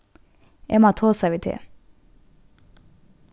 eg má tosa við teg